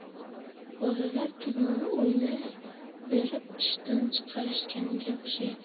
bolalar tugmani o'ynayverib ishdan chiqarishganga o'xshaydi